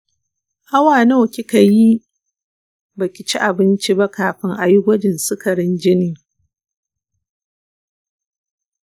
awa nawa kika yi baki ci abinci ba kafin ayi gwajin sikarin jinin?